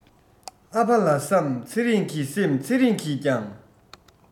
ཨ ཕ ལ བསམ ཚེ རང གི སེམས ཚེ རིང གིས ཀྱང